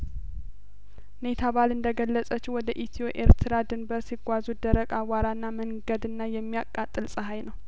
ኒታባል እንደገለጸችው ወደ ኢትዮኤርትራ ድንበር ሲጓዙ ደረቅ አዋራና መንገድና የሚያቃጥል ጸሀይ ነው